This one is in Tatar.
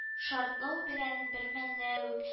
Шартлау белән бермәлне үк